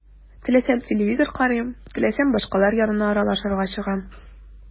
Теләсәм – телевизор карыйм, теләсәм – башкалар янына аралашырга чыгам.